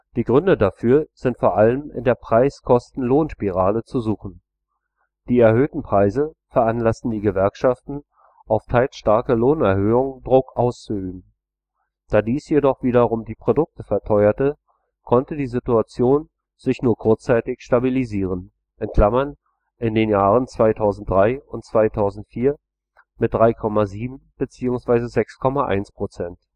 Die Gründe dafür sind vor allem in der Preis-Kosten-Lohn-Spirale zu suchen. Die erhöhten Preise veranlassten die Gewerkschaften, auf teils starke Lohnerhöhungen Druck auszuüben. Da dies jedoch wiederum die Produkte verteuerte, konnte die Situation sich nur kurzzeitig stabilisieren (in den Jahren 2003 und 2004 mit 3,7 bzw. 6,1%